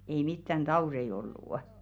ei mitään tauteja ollut